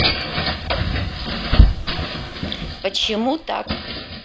почему так